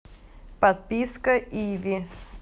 подписка ivi